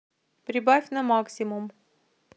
прибавь на максимум